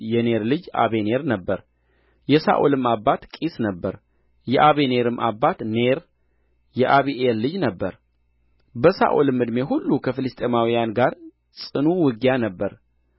የአበኔርም አባት ኔር የአቢኤል ልጅ ነበረ በሳኦልም ዕድሜ ሁሉ ከፍልስጥኤማውያን ጋር ጽኑ ውጊያ ነበረ